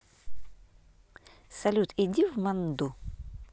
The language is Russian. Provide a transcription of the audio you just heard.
салют иди в манду